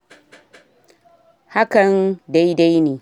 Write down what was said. Hakan daidai ne.